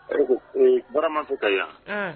Ɔ ko bɔra ma fo ka yan